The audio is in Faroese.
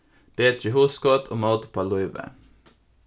betri hugskot og mót upp á lívið